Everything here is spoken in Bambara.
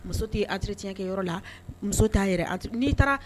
Muso tɛ entretien kɛ yɔrɔ la, muso t'a yɛrɛ n'i taara